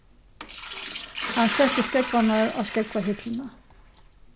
hann setti skógvarnar á skógvahillina